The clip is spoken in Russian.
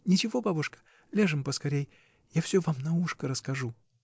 — Ничего, бабушка, — ляжем поскорей: я всё вам на ушко расскажу.